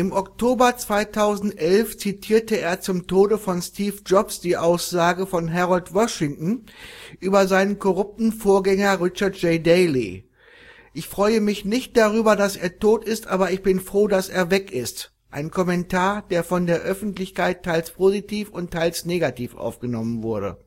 Oktober 2011 zitierte er zum Tode von Steve Jobs die Aussage von Harold Washington über seinen korrupten Vorgänger Richard J. Daley: „ Ich freue mich nicht darüber, dass er tot ist, aber ich bin froh, dass er weg ist. “ein Kommentar der von der Öffentlichkeit teils positiv und teils negativ aufgenommen wurde